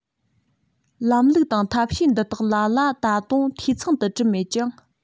ལམ ལུགས དང ཐབས ཤེས འདི དག ལ ལ ད རུང འཐུས ཚང དུ འགྲུབ མེད ཀྱང